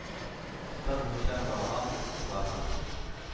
Штат буенча каралган укытучыларның